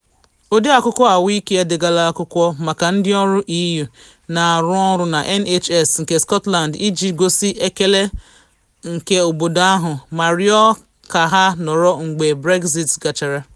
Ọde Akwụkwọ Ahụike edegala akwụkwọ maka ndị ọrụ EU na arụ ọrụ na NHS nke Scotland iji gosi ekele nke obodo ahụ ma rịọ ka ha nọrọ mgbe Brexit gachara.